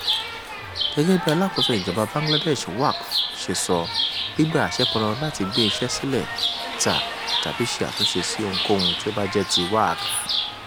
Gẹ́gẹ́ bí alákòóso Bangladesh Waqf Administratioń ṣe sọ, gbígba àṣẹ pọn dandan láti gbé iṣẹ́ sílẹ̀, tà tàbí ṣe àtúnṣe sí ohunkóhun tí ó bá jẹ́ ti Waqf.